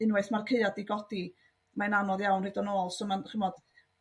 unwaith ma'r caead 'di godi ma'n anodd iawn rhoid o'n nôl so ch'mod